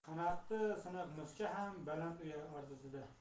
qanoti siniq musicha ham baland uya orzusida